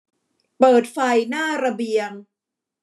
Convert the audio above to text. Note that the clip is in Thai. เปิดไฟหน้าระเบียง